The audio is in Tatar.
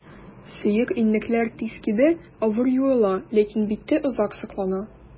Сыек иннекләр тиз кибә, авыр юыла, ләкин биттә озак саклана.